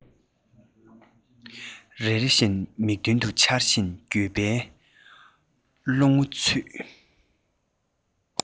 རེ རེ བཞིན མིག ལམ དུ འཆར བཞིན འགྱོད པའི ཀློང དུ ཚུད